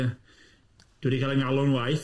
Ie, dwi wedi cael yn ngalw'n waeth.